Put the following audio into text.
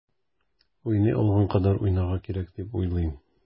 Уйный алган кадәр уйнарга кирәк дип уйлыйм.